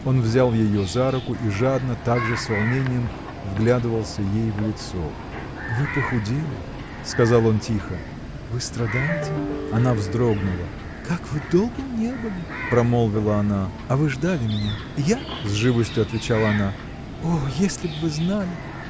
Он взял ее за руку и жадно, также с волнением, вглядывался ей в лицо. – Вы похудели! – сказал он тихо, – вы страдаете? Она вздрогнула. – Как вы долго не были! – промолвила она. – А вы ждали меня? – Я? – с живостью отвечала она. – О, если б вы знали!.